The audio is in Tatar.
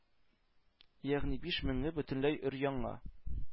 Ягъни биш меңе бөтенләй өр-яңа,